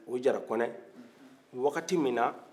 o jara-kɔnɛ wagati min na